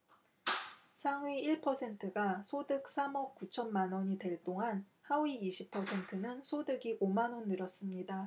상위 일 퍼센트가 소득 삼 억 구천 만원이 될 동안 하위 이십 퍼센트는 소득이 오 만원 늘었습니다